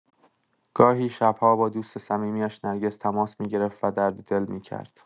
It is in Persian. گاهی شب‌ها با دوست صمیمی‌اش، نرگس، تماس می‌گرفت و درد دل می‌کرد.